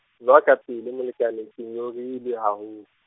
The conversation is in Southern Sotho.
nwa ka pele molekane ke nyorilwe haho.